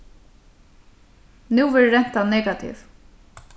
nú verður rentan negativ